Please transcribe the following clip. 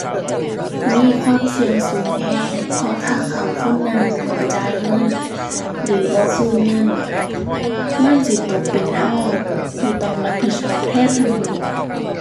มีความเสี่ยงสูงแรง เพราะถ้าเขาคนนั้นบ่จ่ายเงินหรือบ่คืนเงินมันสิตกเป็นแรงที่ต้องรับผิดชอบแทนทั้งเบิด